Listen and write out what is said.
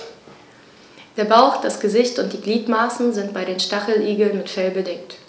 Der Bauch, das Gesicht und die Gliedmaßen sind bei den Stacheligeln mit Fell bedeckt.